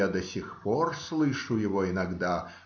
а я до сих пор слышу его иногда